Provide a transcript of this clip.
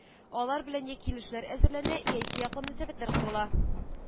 Алар белән йә килешүләр әзерләнә, йә икеяклы мөнәсәбәтләр корыла